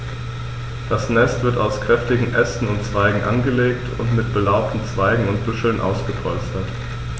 Das Nest wird aus kräftigen Ästen und Zweigen angelegt und mit belaubten Zweigen und Büscheln ausgepolstert.